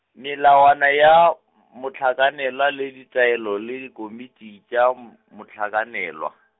melawana ya, m- mohlakanelwa le ditaelo le dikomiti tša m-, mohlakanelwa.